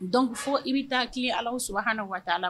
Dɔn fɔ i bɛ taa k ala su hali wa' la